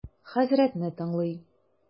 Хәзрәтне тыңлый.